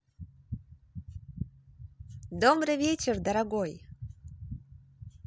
добрый вечер дорогой